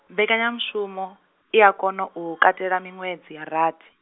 mbekanyamushumo, i a kona u katela miṅwedzi ya rathi.